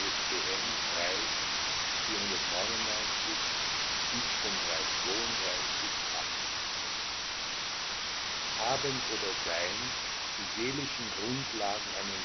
ISBN 3-499-17332-8 Haben oder Sein. Die seelischen Grundlagen einer